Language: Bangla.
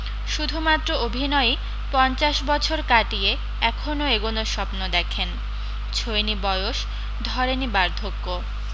শুধুমাত্র অভিনয়ই পঞ্চাশ বছর কাটিয়ে এখনও এগোনোর স্বপ্ন দেখেন ছোঁয়নি বয়স ধরেনি বার্ধক্য